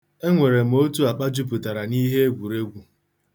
Enwere m otu akpa jupụtara n'iheegwuregwu.